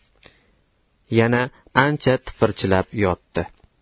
yana ancha tipirchilab yotdi